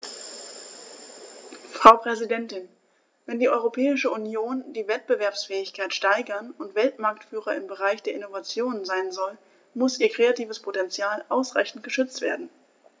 Frau Präsidentin, wenn die Europäische Union die Wettbewerbsfähigkeit steigern und Weltmarktführer im Bereich der Innovation sein soll, muss ihr kreatives Potential ausreichend geschützt werden.